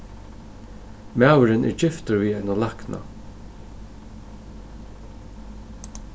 maðurin er giftur við einum lækna